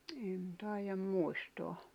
en taida muistaa